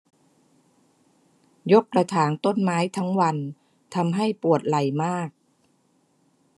ยกกระถางต้นไม้ทั้งวันทำให้ปวดไหล่มาก